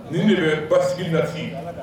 Nin nin bɛ basisigi nasi